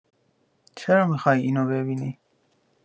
چرا میخوای اینو ببینی؟